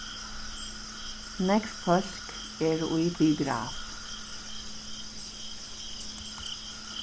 nógv fólk eru í biograf